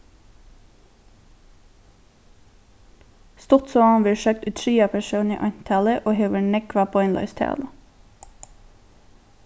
stuttsøgan verður søgd í triðja persóni eintali og hevur nógva beinleiðis talu